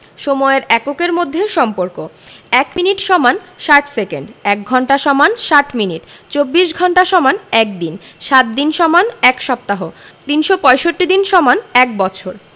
সময়ের এককের মধ্যে সম্পর্কঃ ১ মিনিট = ৬০ সেকেন্ড ১ঘন্টা = ৬০ মিনিট ২৪ ঘন্টা = ১ দিন ৭ দিন = ১ সপ্তাহ ৩৬৫ দিন = ১বছর